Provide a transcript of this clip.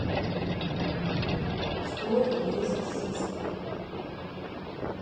что есть сиська